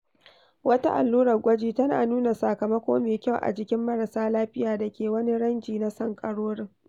Wata allurar gwaji tana nuna sakamako mai kyau a jikin marassa lafiya da ke wani ranji na sankarorin.